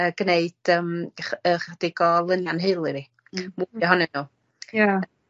yy gneud yym ch- ychydig o lunia'n nheulu fi. Hmm. Mwy ohonyn nw. Ie.